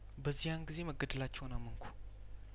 በዚያን ጊዜ መገደላቸውን አመንኩ